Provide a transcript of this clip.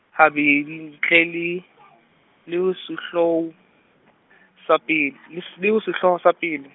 habedi, ntle le , le o sehlooho , sa pele, le s-, le o sehlooho sa pele.